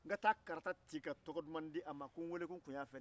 ko n ka taa karata ci ka tɔgɔ duman di a ma